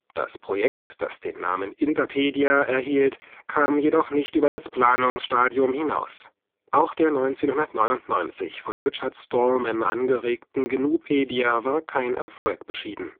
Das Projekt, das den Namen Interpedia erhielt, kam jedoch nicht über das Planungsstadium hinaus. Auch der 1999 von Richard Stallman angeregten GNUPedia war kein Erfolg beschieden